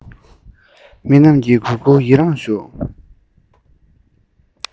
མི རྣམས ཀྱིས གུས བཀུར ཡིད རང ཞུ